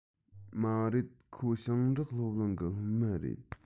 མ རེད ཁོ ཞིང འབྲོག སློབ གླིང གི སློབ མ རེད